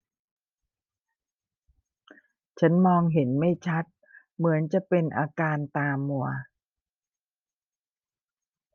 ฉันมองเห็นไม่ชัดเหมือนจะเป็นอาการตามัว